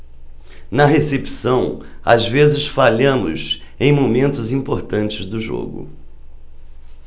na recepção às vezes falhamos em momentos importantes do jogo